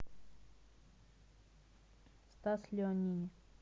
стас леонини